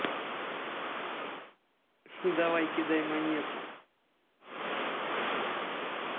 давай кидай монетку